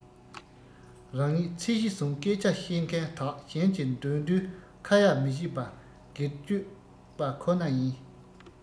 རང ཉིད ཚད གཞི བཟུང སྐད ཆ བཤད མཁན དག གཞན གྱི འདོད འདུན ཁ ཡ མི བྱེད པ སྒེར གཅོད པ ཁོ ན ཡིན